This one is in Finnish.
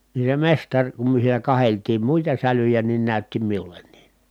niin se mestari kun me siinä katseltiin muita sälyjä niin näytti minullekin